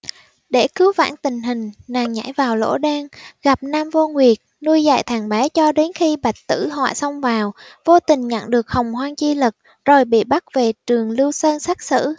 để cứu vãn tình hình nàng nhảy vào lỗ đen gặp nam vô nguyệt nuôi dạy thằng bé cho đến khi bị bạch tử họa xông vào vô tình nhận được hồng hoang chi lực rồi bị bắt về trường lưu sơn xét xử